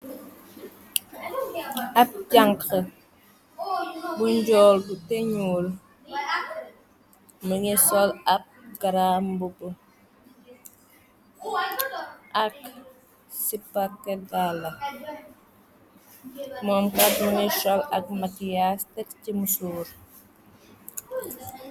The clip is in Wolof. Ab janx bu njool teñuul, mingi sol ab grambubu ak sipa ak daala, moom kat mingi sol ak makiyas tek ci musuur.